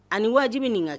Ani wajibi nin ka